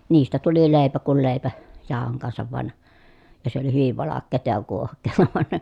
niistä tuli leipä kuin leipä jauhojen kanssa vain ja se oli hyvin valkeaa ja kuohkeaa vaan